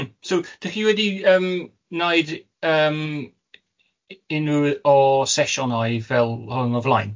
M-. So dach chi wedi yym wneud yym u- u- u- unrhyw o sesiynau fel hwn o flaen?